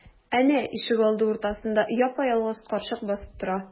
Әнә, ишегалды уртасында япа-ялгыз карчык басып тора.